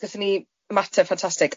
Gaethon ni ymateb ffantastig.